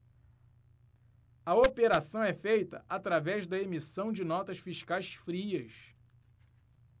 a operação é feita através da emissão de notas fiscais frias